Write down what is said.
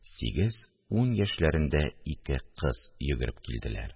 Сигез-ун яшьләрендә ике кыз йөгереп килделәр